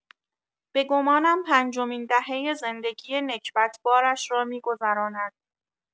به گمانم پنجمین دهۀ زندگی نکبت‌بارش را می‌گذراند.